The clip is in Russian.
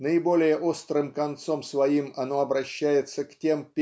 наиболее острым концом своим оно обращается к тем